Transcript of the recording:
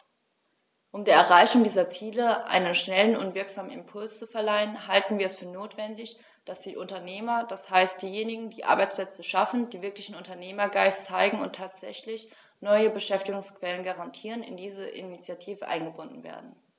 Um der Erreichung dieser Ziele einen schnellen und wirksamen Impuls zu verleihen, halten wir es für notwendig, dass die Unternehmer, das heißt diejenigen, die Arbeitsplätze schaffen, die wirklichen Unternehmergeist zeigen und tatsächlich neue Beschäftigungsquellen garantieren, in diese Initiative eingebunden werden.